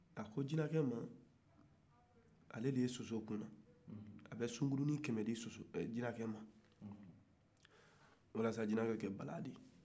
a ko jinacɛ ma ale be bɛ soso kunna k'a bɛ sungurunin kɛmɛ di jinacɛ ma walasa jinacɛ ka bala di